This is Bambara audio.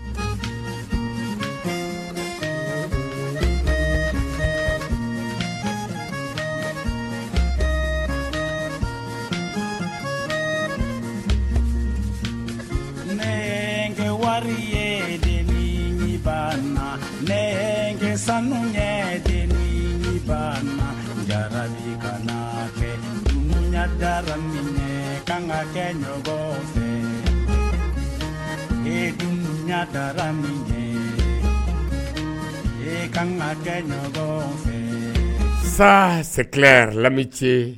San nkɛ wari ye le ba n sanu ye den ba jali ka kɛ muda minɛ ka kanga kɛ fɛ ekɛla min e ka kanga kɛ ɲ fɛ sa sɛkiyara lammi ce